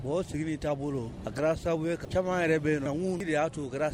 O sigilen t'a bolo a kɛra sabu caman yɛrɛ de y'a to kɛra